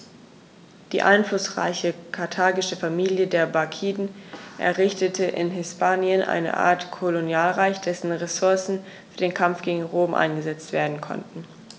Die einflussreiche karthagische Familie der Barkiden errichtete in Hispanien eine Art Kolonialreich, dessen Ressourcen für den Kampf gegen Rom eingesetzt werden konnten.